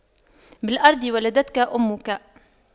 بالأرض ولدتك أمك